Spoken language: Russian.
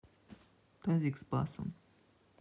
тазик с басом